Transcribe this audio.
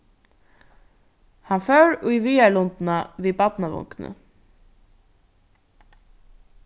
hann fór í viðarlundina við barnavogni